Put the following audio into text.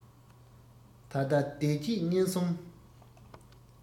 ད ལྟ བདེ སྐྱིད གཉེན གསུམ